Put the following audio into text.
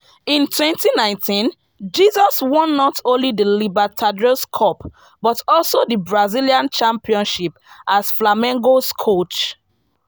In 2019, Jesus won not only the Libertadores Cup, but also the Brazilian Championship as Flamengo's coach.